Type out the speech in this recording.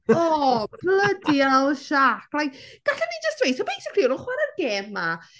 O! Bloody hell Shaq like gallwn ni jyst dweud so basically o'n nhw'n chwarae'r gêm 'ma...